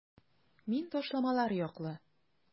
Мин ташламалар яклы.